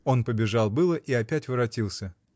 Он побежал было и опять воротился.